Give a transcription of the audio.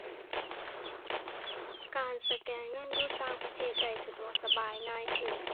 การสแกนเงินอยู่ต่างประเทศ ได้สะดวกสบายง่ายขึ้น